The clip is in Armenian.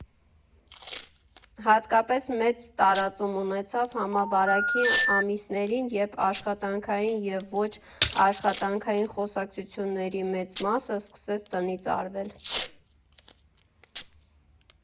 Հատկապես մեծ տարածում ունեցավ համավարակի ամիսներին, երբ աշխատանքային և ոչ աշխատանքային խոսակցությունների մեծ մասը սկսեց տնից արվել։